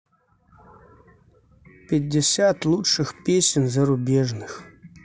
пятьдесят лучших песен зарубежных